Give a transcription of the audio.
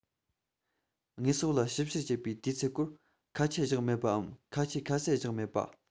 དངོས ཟོག ལ ཞིབ བཤེར བྱེད པའི དུས ཚད སྐོར ཁ ཆད བཞག མེད པའམ ཁ ཆད ཁ གསལ བཞག མེད པ